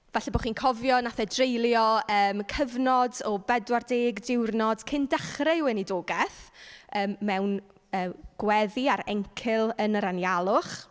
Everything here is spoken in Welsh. Falle bo' chi'n cofio, wnaeth e dreulio, yym, cyfnod o pedwar deg diwrnod cyn dechrau ei weinidogaeth, yym, mewn yy gweddi ar encil yn yr anialwch.